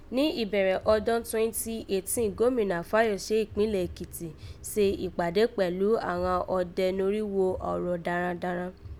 Ni ìbẹ̀rẹ̀ ọdọ́n twenty eighteen Gómìnà Fáyòsé ìkpínlẹ̀ Èkìtì se ìkpàdé kpẹ̀lú àghan ọdẹ norígho ọ̀rọ̀ darandaran